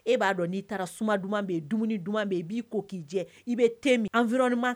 E b'a dɔn n'i taara suma duman bɛ yen, dumuni duman bɛ yen i b'i ko k'i jɛ i bɛ the min environnement